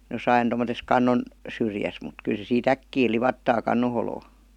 jossakin tuommoisessa kannon syrjässä mutta kyllä se siitä äkkiä livahtaa kannon holoon